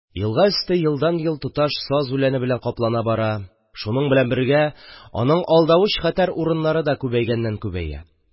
Елга өсте елдан-ел тоташ саз үләне белән каплана бара, шуның белән бергә аның алдавыч хәтәр урыннары да күбәйгәннән-күбәя.